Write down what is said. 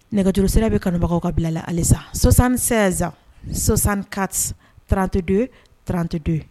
Nɛgɛjurusi bɛ kanubagaw ka bilala halisa sɔsansensan sososan ka trante don trante don ye